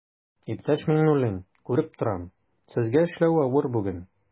Иптәш Миңнуллин, күреп торам, сезгә эшләү авыр бүген.